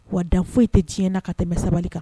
Wa dan foyi e tɛ ti na ka tɛmɛ sabali kan